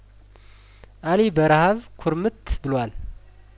አሊ በረሀብ ኩርምት ብሏል